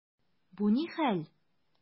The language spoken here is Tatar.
Бу ни хәл!